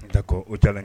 N taa o tɛ